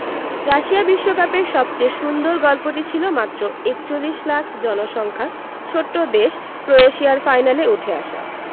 Russia বিশ্বকাপে সবচেয়ে সুন্দর গল্পটি ছিল মাত্র ৪১ লাখ জনসংখ্যার ছোট্ট দেশ ক্রোয়েশিয়ার ফাইনালে উঠে আসা